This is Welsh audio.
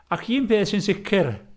Ac un peth sy'n sicr...